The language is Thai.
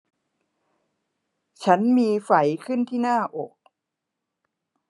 ฉันมีไฝขึ้นที่หน้าอก